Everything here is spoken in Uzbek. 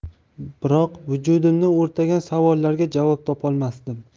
biroq vujudimni o'rtagan savollarga javob topolmasdim